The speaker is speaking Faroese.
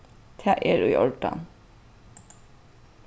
tað er í ordan